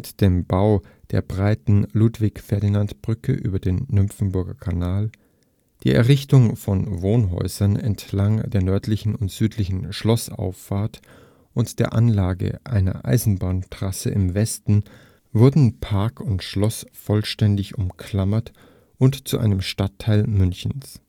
dem Bau der breiten Ludwig-Ferdinand-Brücke über den Nymphenburger Kanal, der Errichtung von Wohnhäusern entlang der Nördlichen und Südlichen Schlossauffahrt und der Anlage einer Eisenbahntrasse im Westen wurden Park und Schloss vollständig umklammert und zu einem Stadtteil Münchens